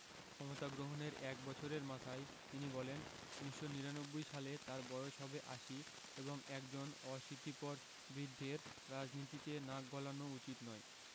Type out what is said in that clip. ক্ষমতা গ্রহণের এক বছরের মাথায় তিনি বলেন ১৯৯৯ সালে তাঁর বয়স হবে আশি এবং একজন অশীতিপর বৃদ্ধের রাজনীতিতে নাক গলানো উচিত নয়